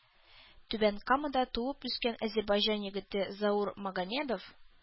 Түбән Камада туып-үскән әзербайҗан егете Заур Магомедов